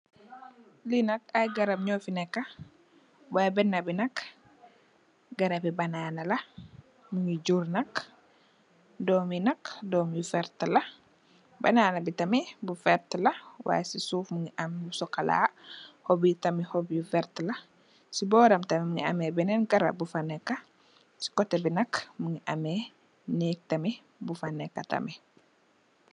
Lii nak ay garab nyo fi nekka, waay benne bi nak garabi banana la, mingi joor nak, doom yi nak, doom yu verte la, banana bi tamit bu verte la, waay si suuf mingi am lu sokola, xob yi tam xob yu verte la, si booram tamit mingi am benne garab bu fa neke, si kote bi nak, mingi ame neeg tamit, bu fa nekk tamit.